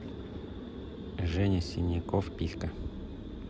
женя синяков писка